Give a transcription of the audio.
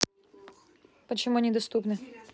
почему они доступны